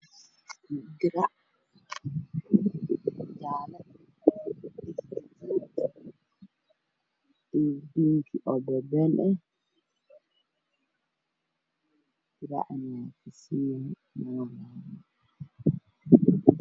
Waxaa in muuqda diraac midabka midabkiisu yahay gadood gaarno qaxoon meesha uu saaran yahay waa meel guguug